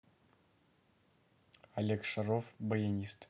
олег шаров баянист